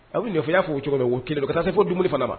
A bɛfɛya f' cogo min wo kelen ka taa se fo dum fana ma